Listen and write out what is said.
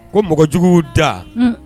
Ko mɔgɔjugu da